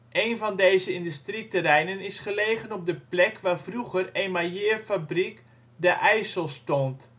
Een van deze industieterreinen is gelegen op de plek waar vroeger Emaileerfabriek De Yssel stond